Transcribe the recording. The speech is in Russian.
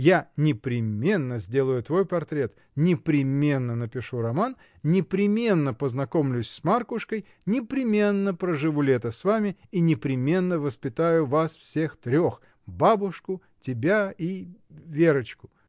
я непременно сделаю твой портрет, непременно напишу роман, непременно познакомлюсь с Маркушкой, непременно проживу лето с вами и непременно воспитаю вас всех трех, бабушку, тебя и. Верочку.